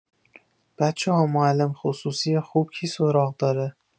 بچه‌ها معلم‌خصوصی خوب کی سراغ داره؟